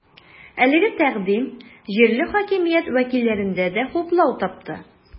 Әлеге тәкъдим җирле хакимият вәкилләрендә дә хуплау тапты.